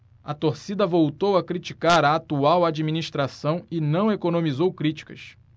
a torcida voltou a criticar a atual administração e não economizou críticas